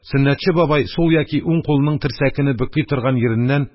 Сөннәтче бабай, сул яки уң кулының терсәкене бөкли торган йиреннән